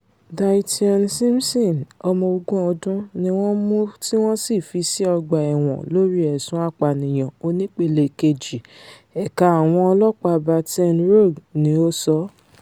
Dyteon Simpson, ọmọ ogún ọdún, ní wọ́n mú tí wọ́n sì fi sí ọgbà ẹ̀wọ̀n lórí ẹ̀sùn apànìyan onípele kejì, Ẹ̀ka Àwọn Ọlọ́ọ̀pá Baton Rouge ni o sọ.